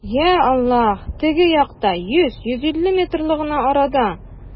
Йа Аллаһ, теге якта, йөз, йөз илле метрлы гына арада!